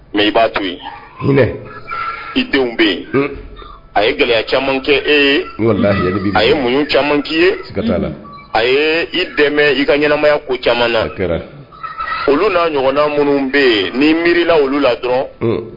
Mɛ i b'a to yen hinɛ i denw bɛ yen a ye gɛlɛya caman kɛ e ye a ye mun caman k kei ye a i dɛmɛ i ka ɲɛnamaya ko caman na olu'a ɲɔgɔn minnu bɛ yen n' miirila olu la dɔrɔn